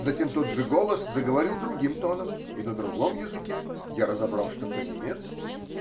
Затем тот же голос заговорил другим тоном и на другом языке -- я разобрал, что по-немецки.